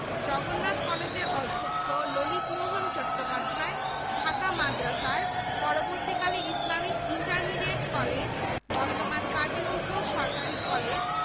ও আবাসিক কার্যক্রম সম্বলিত প্রতিষ্ঠান এবং কেবল শহরের কলেজগুলি এর আওতাধীন থাকবে